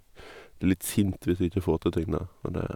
Blir litt sint hvis ikke jeg får til tingene, men det...